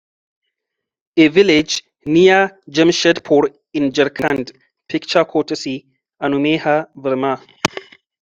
A village near Jamshedpur in Jharkhand. Picture courtesy Anumeha Verma